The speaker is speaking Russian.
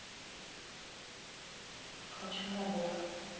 хочу набор